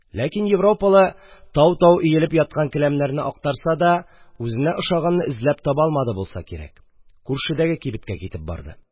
Ләкин европалы, тау-тау өелеп яткан келәмнәрне актарса да, үзенә ошаганны эзләп таба алмады булса кирәк, күршедәге кибеткә китеп барды.